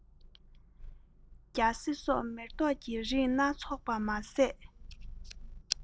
རྒྱ སེ སོགས མེ ཏོག གི རིགས སྣ ཚོགས མ ཟད